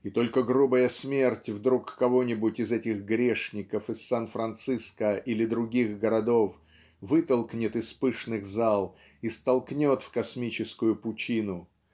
и только грубая смерть вдруг кого-нибудь из этих грешников из Сан-Франциско или других городов вытолкнет из пышных зал и столкнет в космическую пучину